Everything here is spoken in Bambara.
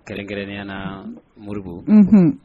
Kɛrɛnkɛrɛnnenyaana moribugu